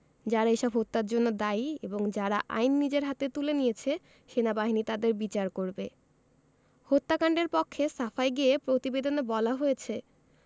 যারা এসব হত্যার জন্য দায়ী এবং যারা আইন নিজের হাতে তুলে নিয়েছে সেনাবাহিনী তাদের বিচার করবে হত্যাকাণ্ডের পক্ষে সাফাই গেয়ে প্রতিবেদনে বলা হয়েছে